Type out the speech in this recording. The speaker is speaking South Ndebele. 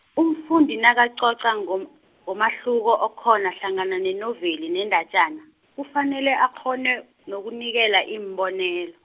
umfundi nakacoca, ngom- ngomahluko okhona hlangana nenovela nendatjana, kufanele akghone, nokunikela iimbonelo.